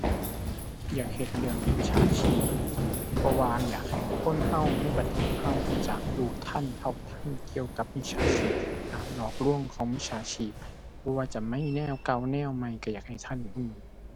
อยากเฮ็ดเรื่องมิจฉาชีพ เพราะว่าอยากให้คนเราในประเทศเราเราจักรู้ทัน เท่าทันเกี่ยวกับมิจฉาชีพ การหลอกลวงของมิจฉาชีพ บ่ว่าจะในแนวเก่าแนวใหม่เราอยากให้ทันเรา